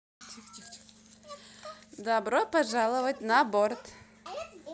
добро пожаловать на борт